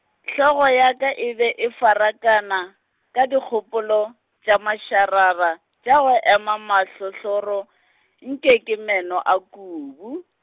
hlogo ya ka e be e farakana, ka dikgopolo, tša mašarara tša go ema mahlohloro, nke ke meno a kubu.